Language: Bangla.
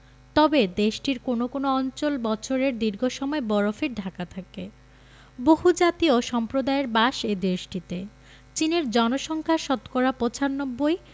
তবে দেশটির কোনো কোনো অঞ্চল বছরের দীর্ঘ সময় বরফে ঢাকা থাকে বহুজাতি ও সম্প্রদায়ের বাস এ দেশটিতে চীনের জনসংখ্যা শতকরা ৯৫